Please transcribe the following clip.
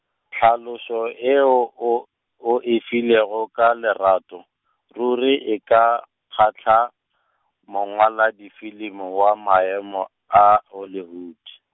tlhaloso yeo o, o e filego ka lerato, ruri e ka kgahla, mongwaladifilimi wa maemo a Hollywood.